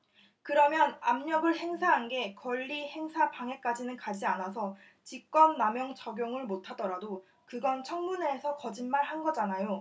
그러면 압력을 행사한 게 권리행사 방해까지는 가지 않아서 직권남용 적용을 못하더라도 그건 청문회에서 거짓말한 거잖아요